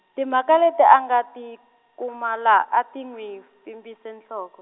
timhaka leti a nga ti kuma la, a ti n'wi, pfimbise nhloko.